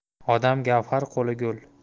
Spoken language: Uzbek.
odam gavhar qo'li gul